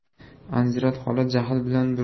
anzirat xola jahl bilan